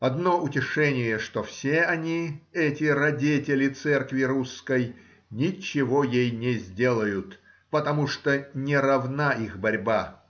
Одно утешение, что все они, эти радетели церкви русской, ничего ей не сделают, потому что не равна их борьба